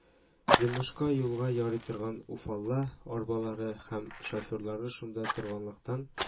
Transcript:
Йомышка-юлга ярый торган «уфалла» арбалары һәм, шоферлары шунда торганлыктан